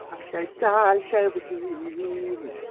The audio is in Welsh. Alla i dal llaw fy hun.